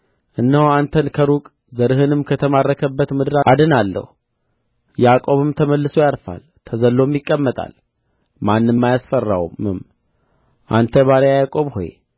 እነሆ አንተን ከሩቅ ዘርህንም ከተማረከባት ምድር አድናለሁ ያዕቆብም ተመልሶ ያርፋል ተዘልሎም ይቀመጣል ማንም አያስፈራውምም አንተ ባሪያዬ ያዕቆብ ሆይ